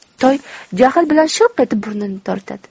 toy jahl bilan shilq etib burnini tortadi